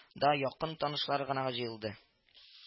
Да якын танышлар гына җыелды